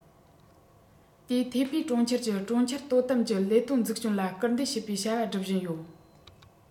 དེའི ཐའེ པེ གྲོང ཁྱེར གྱི གྲོང ཁྱེར དོ དམ གྱི ལས དོན འཛུགས སྐྱོང ལ སྐུལ འདེད བྱེད པའི བྱ བ སྒྲུབ བཞིན ཡོད